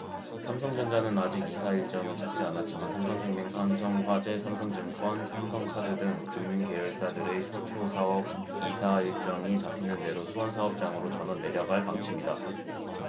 삼성전자는 아직 이사 일정은 잡지 않았지만 삼성생명 삼성화재 삼성증권 삼성카드 등 금융계열사들의 서초 사옥 이사 일정이 잡히는 대로 수원사업장으로 전원 내려갈 방침이다